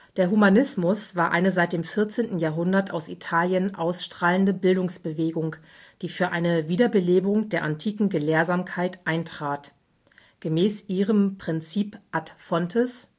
Der Humanismus war eine seit dem 14. Jahrhundert aus Italien ausstrahlende Bildungsbewegung, die für eine Wiederbelebung der antiken Gelehrsamkeit eintrat. Gemäß ihrem Prinzip Ad fontes